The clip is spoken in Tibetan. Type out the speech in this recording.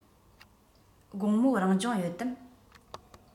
དགོང མོ རང སྦྱོང ཡོད དམ